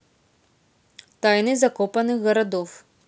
тайны закопанных городов